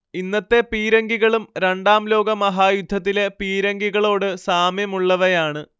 ഇന്നത്തെ പീരങ്കികളും രണ്ടാം ലോകമഹായുദ്ധത്തിലെ പീരങ്കികളോട് സാമ്യമുള്ളവയാണ്